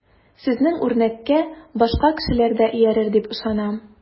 Сезнең үрнәккә башка кешеләр дә иярер дип ышанам.